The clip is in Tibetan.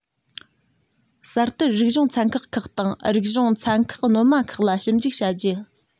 གསར དར རིག གཞུང ཚན ཁག ཁག དང རིག གཞུང ཚན ཁག སྣོལ མ ཁག ལ ཞིབ འཇུག བྱ རྒྱུ